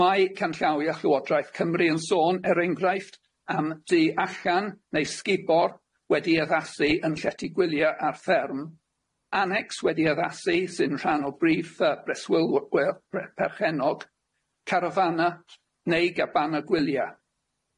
Mai canllawia Llywodraeth Cymru yn sôn er enghraifft am du allan neu sgubor wedi addasu yn llety gwyliau a'r fferm, annecs wedi addasu sy'n rhan o briff yy breswylwyr perchenog, carafanna neu gabana gwyliau.